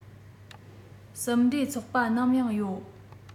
གསུམ འབྲེལ ཚོགས པ ནམ ཡང ཡོད